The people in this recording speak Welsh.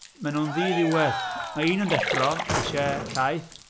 Maen nhw'n ddiddiwedd. Mae un yn deffro isie llaeth...